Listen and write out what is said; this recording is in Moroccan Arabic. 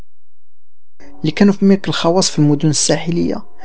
لكن في الخواص في المدن الساحليه